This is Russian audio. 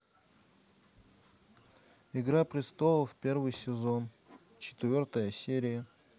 игра престолов первый сезон четвертая серия